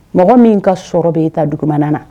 Mɔgɔ min ka sɔrɔ bɛi ta dugumannan na